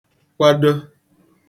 kwado